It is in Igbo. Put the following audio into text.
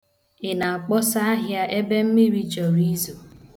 Ị na-akpọsa ahịa ebe mmiri chọrọ izo?